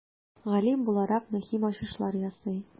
Галим буларак, мөһим ачышлар ясый.